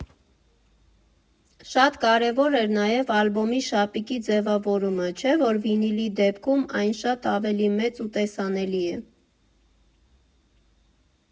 Շատ կարևոր էր նաև ալբոմի շապիկի ձևավորումը, չէ՞ որ վինիլի դեպքում այն շատ ավելի մեծ ու տեսանելի է։